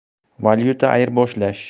valyuta ayirboshlash